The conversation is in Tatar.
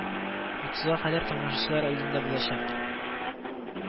Утызга кадәр тамашачылар алдында булачак